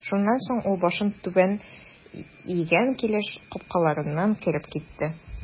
Шуннан соң ул башын түбән игән килеш капкаларыннан кереп китте.